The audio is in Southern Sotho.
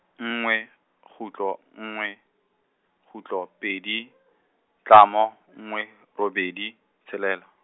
nngwe kgutlo nngwe, kgutlo pedi, tlamo, nngwe robedi tshelela.